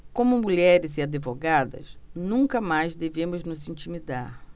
como mulheres e advogadas nunca mais devemos nos intimidar